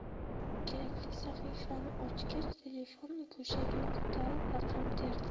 kerakli sahifani ochgach telefon go'shagini ko'tarib raqam terdi